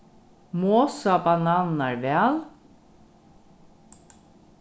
mosa bananirnar væl